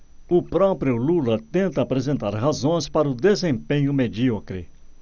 o próprio lula tenta apresentar razões para o desempenho medíocre